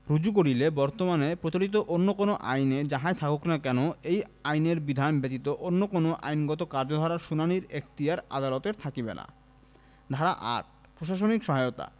রুজু করিলে বর্তমানে প্রচলিত অন্য কোন আইনে যাহাই থাকুক না কেন এই আইনের বিধান ব্যতীত অন্য কোন আইনগত কার্যধারার শুনানীর এখতিয়ার আদালতের থাকিবে না ধারা ৮ প্রশাসনিক সহায়তাঃ